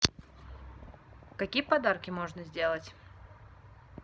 какие подарки можно сделать